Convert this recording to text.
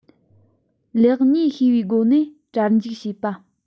ལེགས ཉེས ཤེས པའི སྒོ ནས དྲ འཇུག བྱེད པ